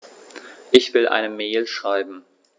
Ich will eine Mail schreiben.